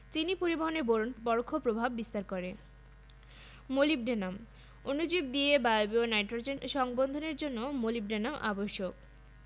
উদ্ভিদ পুষ্টি উপাদানগুলোর মধ্যে কার্বন এবং অক্সিজেন বায়ুমণ্ডল থেকে গ্রহণ করে হাই্ড্রোজেন এবং অক্সিজেন পানি থেকে গ্রহণ করে অন্যসব উপাদান মাটি থেকে মূলের সাহায্যে শোষণ করে